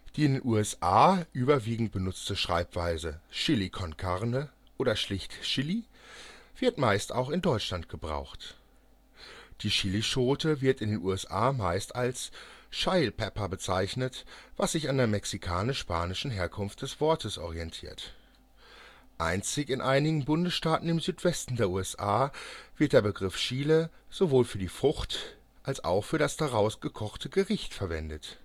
den USA überwiegend benutzte Schreibweise Chili con Carne oder schlicht Chili wird meist auch in Deutschland gebraucht. Die Chilischote wird in den USA meist als Chile Pepper bezeichnet, was sich an der mexikanisch-spanischen Herkunft des Wortes orientiert. Einzig in einigen Bundesstaaten im Südwesten der USA wird der Begriff Chile sowohl für die Frucht als auch für das daraus gekochte Gericht verwendet